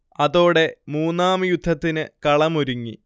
അതോടെ മൂന്നാം യുദ്ധത്തിന് കളമൊരുങ്ങി